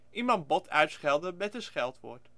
Iemand bot uitschelden met een scheldwoord